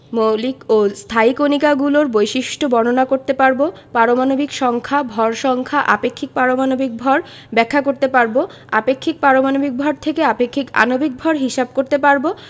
⦁ মৌলিক ও স্থায়ী কণিকাগুলোর বৈশিষ্ট্য বর্ণনা করতে পারব ⦁ পারমাণবিক সংখ্যা ভর সংখ্যা আপেক্ষিক পারমাণবিক ভর ব্যাখ্যা করতে পারব ⦁ আপেক্ষিক পারমাণবিক ভর থেকে আপেক্ষিক আণবিক ভর হিসাব করতে পারব